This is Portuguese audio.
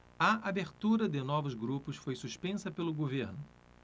a abertura de novos grupos foi suspensa pelo governo